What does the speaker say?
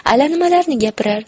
allanimalarni gapirar